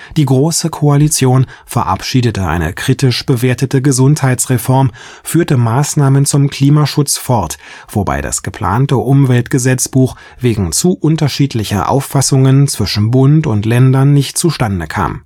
Die Große Koalition verabschiedete eine kritisch bewertete Gesundheitsreform, führte Maßnahmen zum Klimaschutz fort, wobei das geplante Umweltgesetzbuch wegen zu unterschiedlicher Auffassungen zwischen Bund und Länder nicht zu Stande kam